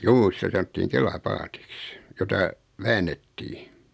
juu sitä sanottiin kelapaatiksi jota väännettiin